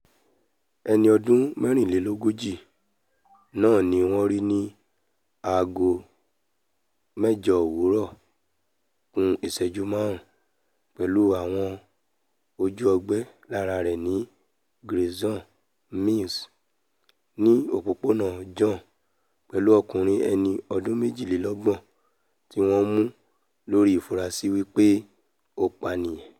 Ẹni ọdún mẹ́rìnlélógójì náà ni wọ́n rí ní aago mẹ́jọ òwúrọ̀ ku ìṣẹ́jú máàrún pẹ̀lú àwọn ojú-ọgbẹ́ lára rẹ̀ ni ́Grayson Mews ní òpòpóna John, pẹ̀lú ọkùnrin ẹni ọdún méjilélọ́gbọ̀n tí wọ́n mú lórí ìfurasì wí pé ó pànìyàn.